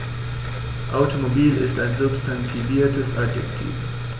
Automobil ist ein substantiviertes Adjektiv.